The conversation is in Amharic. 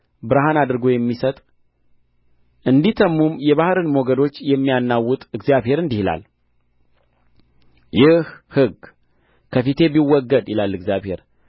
ብርሃን አድርጎ የሚሰጥ እንዲተምሙም የባሕርን ሞገዶች የሚያናውጥ እግዚአብሔር እንዲህ ይላል ይህ ሕግ ከፊቴ ቢወገድ ይላል እግዚአብሔር